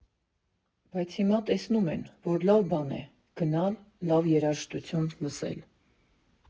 Բայց հիմա տեսնում են, որ լավ բան է՝ գնալ, լավ երաժշտություն լսել։